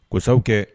Kosa kɛ